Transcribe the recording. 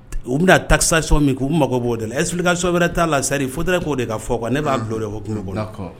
U bɛna taxation min kɛ u mako b'o dɛ la explication wɛrɛ t'a la c'a dire il faudrait que o de ka fɔ quoi ne b'a bila o de hukumu kɔnɔ., d'accord .